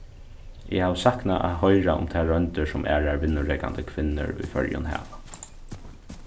eg havi saknað at hoyra um tær royndir sum aðrar vinnurekandi kvinnur í føroyum hava